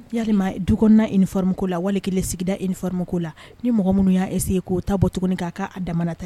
Yarilima du kɔnɔna nin fm la wali' sigida ninfam la ni mɔgɔ minnu y'ase k'o ta bɔ tuguni k'a'a damana ta ye